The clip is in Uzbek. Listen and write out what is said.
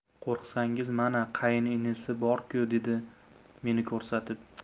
qo'rqsangiz mana qayin inisi bor ku dedi meni ko'rsatib